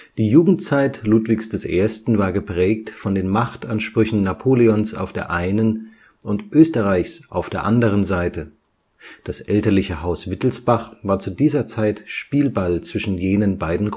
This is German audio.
Die Jugendzeit Ludwigs I. war geprägt von den Machtansprüchen Napoleons auf der einen und Österreichs auf der anderen Seite, das elterliche Haus Wittelsbach war zu dieser Zeit Spielball zwischen jenen beiden